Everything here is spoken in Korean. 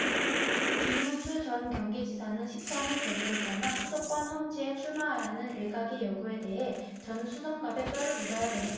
김문수 전 경기지사는 십 삼 일 대구를 떠나 수도권 험지에 출마하라는 일각의 요구에 대해 저는 수성갑에 뼈를 묻어야 되겠다고 일축했다